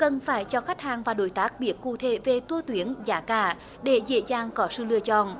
cần phải cho khách hàng và đối tác biết cụ thể về tua tuyến giá cả để dễ dàng có sự lựa chọn